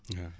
waaw